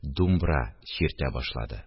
Думбра чиртә башлады.